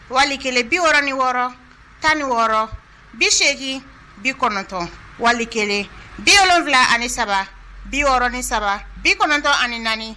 Wali kelen biɔrɔn ni wɔɔrɔ tan ni wɔɔrɔ bi8egin bi kɔnɔntɔn wali kelen biɔrɔnwula ani saba biɔrɔn ni saba bi kɔnɔntɔn ani naani